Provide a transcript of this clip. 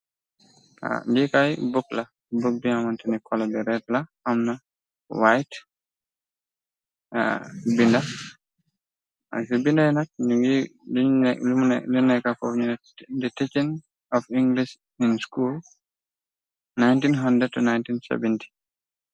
Ar likaay bopla popu bunga kamanteni kola bu ret la amna white binda binday nak newnekafofu noon teaching of english in school 1900 to 1970.